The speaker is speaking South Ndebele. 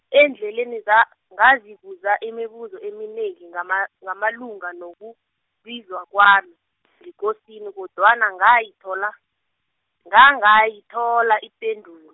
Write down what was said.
endleleni za- ngazibuza imibuzo eminengi ngama- ngamalunga, nokubizwa kwami , ngekosini kodwana ngayithola, ngangayithola, ipendulo.